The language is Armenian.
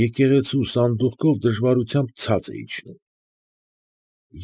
Եկեղեցու սանդուղքով դժվարությամբ ցած է իջնում։